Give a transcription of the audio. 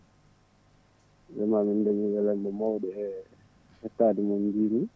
mbimami emin daañi welamma mawɗo e hettade moon *